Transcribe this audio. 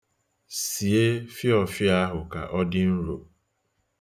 Sie fịọfịọ ahụ ka dị nro.